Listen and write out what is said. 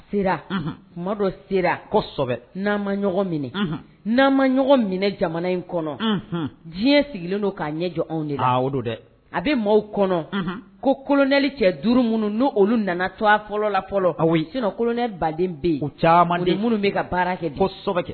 Sera kuma dɔ serabɛ n'a ma minɛ n'a ma ɲɔgɔn minɛ jamana in kɔnɔ diɲɛ sigilen don k'a ɲɛ jɔ anw de dɛ a bɛ maaw kɔnɔ ko kolonɛli cɛ duuru minnu n' olu nana tu fɔlɔ la fɔlɔ a kolonɛ baden bɛ yen caman minnu bɛ ka baara kɛ ko